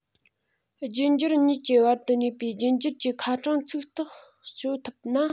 རྒྱུད འགྱུར གཉིས ཀྱི བར དུ གནས པའི རྒྱུད འགྱུར གྱི ཁ གྲངས ཚིག ཐག གཅོད ཐུབ ན